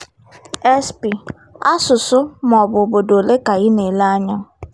SP: Asụsụ maọbụ obodo ole ka ị na-ele anya?